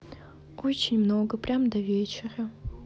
очень много прям до вечера